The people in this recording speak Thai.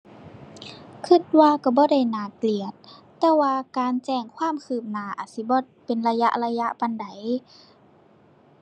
คิดว่าคิดบ่ได้น่าเกลียด แต่ว่าการแจ้งความคืบหน้าอาจสิบ่เป็นระยะระยะปานใด